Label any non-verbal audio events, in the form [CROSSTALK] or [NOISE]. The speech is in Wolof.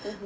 [HESITATION] [HESITATION]